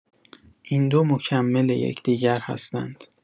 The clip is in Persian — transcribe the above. این دو مکمل یکدیگر هستند.